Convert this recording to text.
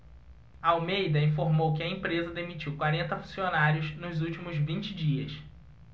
almeida informou que a empresa demitiu quarenta funcionários nos últimos vinte dias